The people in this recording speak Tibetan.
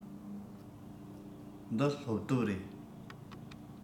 འདི སློབ དེབ རེད